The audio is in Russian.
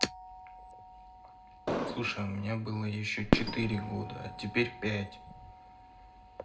слушай у меня была еще четыре года а теперь пять